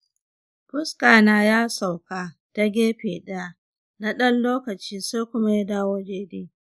fuska na ya sauka ta gefe ɗaya na ɗan lokaci sai kuma ya dawo daidai.